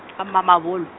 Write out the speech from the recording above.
ga Mamabolo.